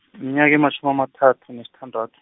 minyaka ematjhumi amathathu nesithandathu.